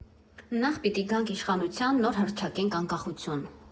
Նախ պիտի գանք իշխանության, նոր հռչակենք Անկախություն։